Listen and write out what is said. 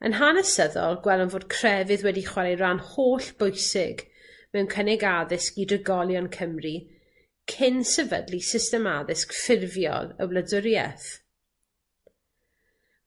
Yn hanesyddol, gwelwn fod crefydd wedi chwarae ran hollbwysig mewn cynnig addysg i drigolion Cymru cyn sefydlu system addysg ffurfiol y Wladwrieth.